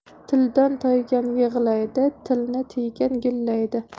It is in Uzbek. tildan toygan yig'laydi tilini tiygan gullaydi